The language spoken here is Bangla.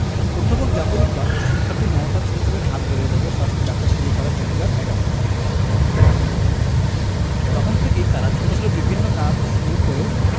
অধ্যাপক জাফর ইকবাল ও শিক্ষার্থী নওশাদ সজীবের হাত ধরে রোবোসাস্ট যাত্রা শুরু করে ২০১১ সালে তখন থেকেই তারা ছোট ছোট বিভিন্ন কাজ শুরু করে